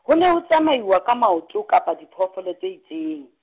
ho ne ho tsamaiwa ka maoto kapa diphoofolo tse itseng.